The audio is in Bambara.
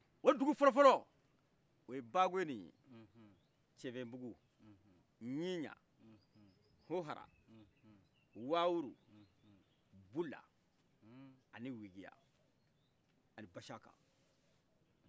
o dugu fɔlɔfɔlɔ oye bageni cɛgɛbugu ɲiɲa hohara wawuru bula ani wigiya ani pachaka